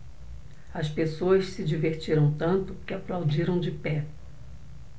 as pessoas se divertiram tanto que aplaudiram de pé